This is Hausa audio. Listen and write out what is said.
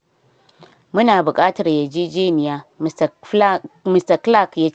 “Mu na bukatar yarjejeniya,” Mr Clark ya ce.